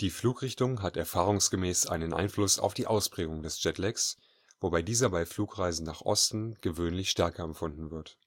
Flugrichtung hat erfahrungsgemäß einen Einfluss auf die Ausprägung des Jetlags, wobei dieser bei Flugreisen nach Osten gewöhnlich stärker empfunden wird